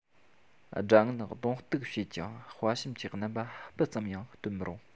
དགྲ ངན གདོང གཏུག བྱས ཀྱང དཔའ ཞུམ གྱི རྣམ པ སྤུ ཙམ ཡང སྟོན མི རུང